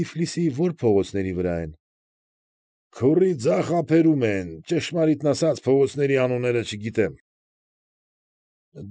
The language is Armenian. Թիֆլիսի ո՞ր փողոցների վրա են։ ֊ Քուռի ձախ ափերում են, ճշմարիտն արած, փողոցների անունները չգիտեմ։ ֊